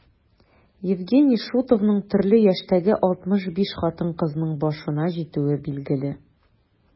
Евгений Шутовның төрле яшьтәге 65 хатын-кызның башына җитүе билгеле.